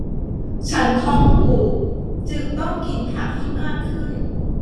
ฉันท้องผูกจึงต้องกินผักให้มากขึ้น